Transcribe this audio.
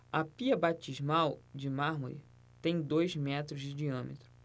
a pia batismal de mármore tem dois metros de diâmetro